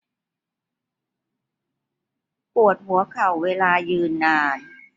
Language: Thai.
ปวดหัวเข่าเวลายืนนาน